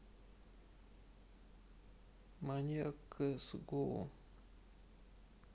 маньяк кэс гоу